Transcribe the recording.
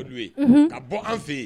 Ka bɔ an fɛ yen